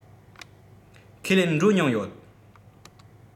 ཁས ལེན འགྲོ མྱོང ཡོད